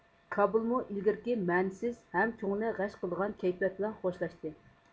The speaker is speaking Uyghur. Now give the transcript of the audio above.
كابۇلمۇ ئىلگىرىكى مەنىسىز ھەم كۆڭۈلنى غەش قىلىدىغان كەيپىيات بىلەن خوشلاشتى